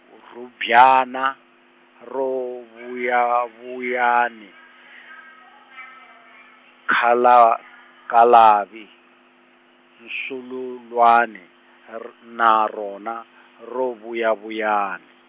rhumbyana, ro vuyavuyani, khala, khalavi, nsululwani, r- na rona, ro vuyavuyani.